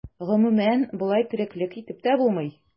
Гомумән, болай тереклек итеп тә булмый.